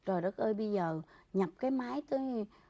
trời đất ơi bây giờ nhập cái máy tới